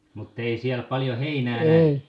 mutta ei siellä paljon heinää näy